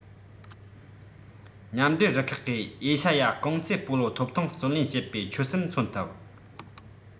མཉམ འབྲེལ རུ ཁག གིས ཨེ ཤེ ཡ རྐང རྩེད སྤོ ལོ ཐོབ ཐང བརྩོན ལེན བྱེད པའི ཆོད སེམས མཚོན ཐུབ